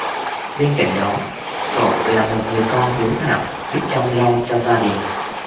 bên cạnh đó cậu là một người con hiếu thảo biết chăm lo cho gia đình